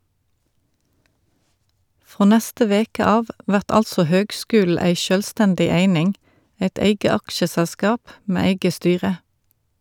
Frå neste veke av vert altså høgskulen ei sjølvstendig eining, eit eige aksjeselskap med eige styre.